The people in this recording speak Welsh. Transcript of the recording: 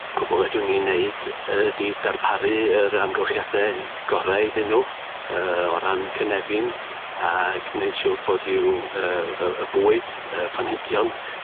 Cwbwl fedrwn ni neud yy ydi darparu yr amgylchiade gore iddyn nw yy o ran cynefin ag neud siŵr bod i'w yy y y bwyd y planhigion